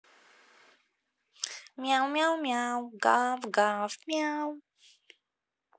мяу мяу мяу гав гав мяу